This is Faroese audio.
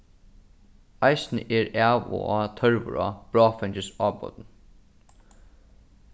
eisini er av og á tørvur á bráðfeingis ábótum